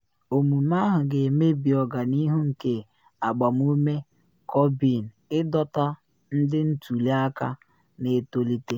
Omume ahụ ga-emebi ọganihu nke agbamume Corbyn ịdọta ndị ntuli aka na etolite